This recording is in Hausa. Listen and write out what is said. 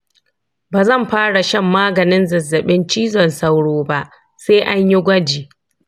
ba zan fara shan maganin zazzaɓin cizon sauro ba sai an yi gwaji.